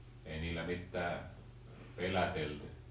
ei niillä mitään pelätelty